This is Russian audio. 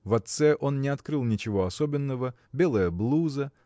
В отце он не открыл ничего особенного. Белая блуза